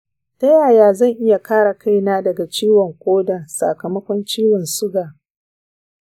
ta yaya zan iya kare kaina daga ciwon koda sakamakon ciwon suga?